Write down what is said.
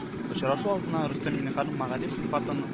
Очрашу алдыннан Рөстәм Миңнеханов Мәгариф сыйфатын